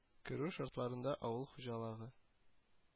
Керү шартларында авыл ху алыгы